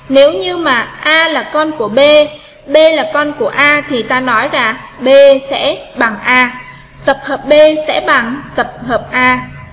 nếu như mà a là con của b b là con của a thì ta nói là b sẽ bằng a tập hợp b sẽ bảng tập hợp a